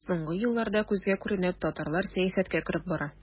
Соңгы елларда күзгә күренеп татарлар сәясәткә кереп бара.